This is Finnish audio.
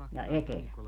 ja etelä